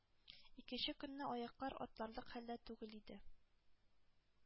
Икенче көнне аяклар атларлык хәлдә түгел иде.